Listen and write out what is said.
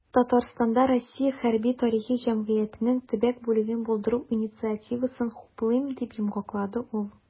"татарстанда "россия хәрби-тарихи җәмгыяте"нең төбәк бүлеген булдыру инициативасын хуплыйм", - дип йомгаклады ул.